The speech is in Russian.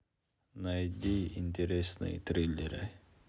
найди интересные триллеры